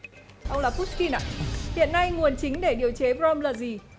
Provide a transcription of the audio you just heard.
ông là pút kin ạ hiện nay nguồn chính để điều chế bờ rom là gì